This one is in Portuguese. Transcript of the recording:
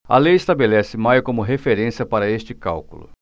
a lei estabelece maio como referência para este cálculo